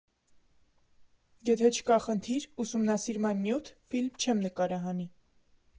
Եթե չկա խնդիր, ուսումնասիրման նյութ՝ ֆիլմ չեմ նկարահանի։